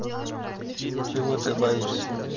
чего ты боишься